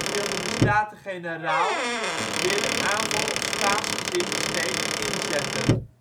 wilden de Staten-Generaal weer de aanval op Spaansgezinde steden inzetten